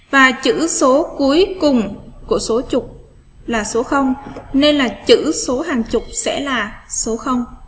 ba chữ số cuối cùng của số chục là số không nên là chữ số hàng chục sẽ là số